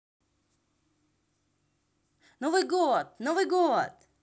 новый год новый год